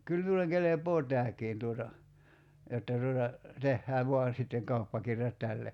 kyllä minulle kelpaa tämäkin tuota jotta tuota tehdään vain sitten kauppakirjat tälle